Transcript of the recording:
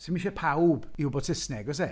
'Sdim isie pawb i wybod Saesneg oes e?